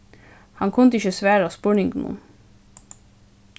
hann kundi ikki svara spurningunum